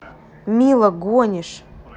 мила гонишь